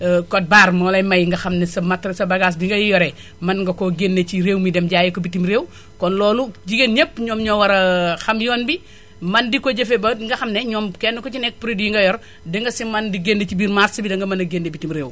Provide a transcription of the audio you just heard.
code barre moo lay may nga xam ne sa maté sa bagage bi ngay yore mën nga koo géñne ci réew mi dem jaayi ko bitim réew kon loolu jigéen ñépp ñoom ñoo war a xam yoon bi mën di ko jëfee ba ñi nga xam ne ñoom kenn ku ci nekk produit yi nga yor di nga si mën di géñne si biir marché bi danga mën a géñne bitim réew